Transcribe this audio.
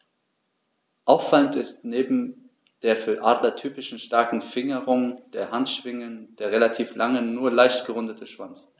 Auffallend ist neben der für Adler typischen starken Fingerung der Handschwingen der relativ lange, nur leicht gerundete Schwanz.